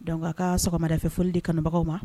Dɔnku a ka so sɔgɔma dafolodi kanubagaw ma